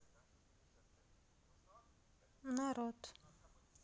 народ